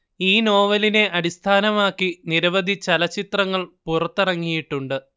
ഈ നോവലിനെ അടിസ്ഥാനമാക്കി നിരവധി ചലച്ചിത്രങ്ങൾ പുറത്തിറങ്ങിയിട്ടുണ്ട്